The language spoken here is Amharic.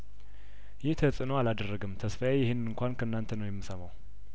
ይህ ተጽእኖ አላደረገም ተስፋዬ ይህን እንኳን ከእናንተ ነው የምሰማው